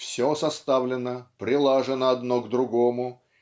Все составлено, прилажено одно к другому